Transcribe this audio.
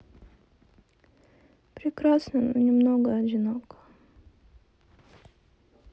прекрасно но немного одиноко